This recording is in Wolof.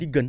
li gën